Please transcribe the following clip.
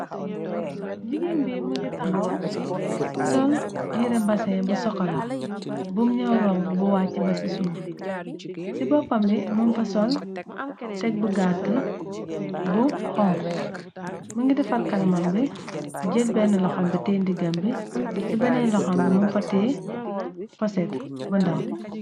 Jigain bi mënga taxaw sol yere basin bu sokola bum ñeww roubu bu wàcc ba ci suuf ci boppambi mum fa sol teg bu gatte bu xonku muge defarr kanamam bi jët benn loxom bi tee ndigam bi ci benen loxom be mug fa teye poset bu ndaw.